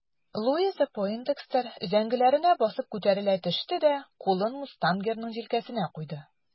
Луиза Пойндекстер өзәңгеләренә басып күтәрелә төште дә кулын мустангерның җилкәсенә куйды.